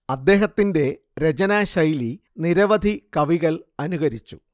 അദ്ദേഹത്തിന്റെ രചനാശൈലി നിരവധി കവികൾ അനുകരിച്ചു